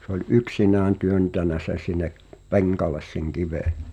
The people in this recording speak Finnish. se oli yksinään työntänyt sen sinne penkalle sen kiven